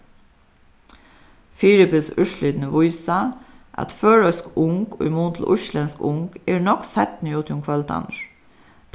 fyribils úrslitini vísa at føroysk ung í mun til íslendsk ung eru nógv seinni úti um kvøldarnar